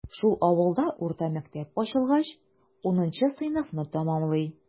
Шул авылда урта мәктәп ачылгач, унынчы сыйныфны тәмамлый.